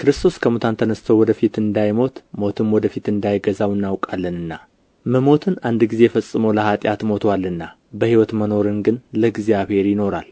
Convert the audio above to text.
ክርስቶስ ከሙታን ተነሥቶ ወደ ፊት እንዳይሞት ሞትም ወደ ፊት እንዳይገዛው እናውቃለንና መሞትን አንድ ጊዜ ፈጽሞ ለኃጢአት ሞቶአልና በሕይወት መኖርን ግን ለእግዚአብሔር ይኖራል